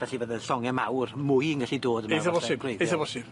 Felly fydd y llonge mawr, mwy yn gallu dod yma?